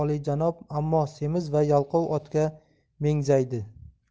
olijanob ammo semiz va yalqov otga mengzaydi